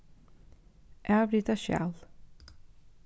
avrita skjal